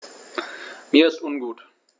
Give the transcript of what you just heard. Mir ist ungut.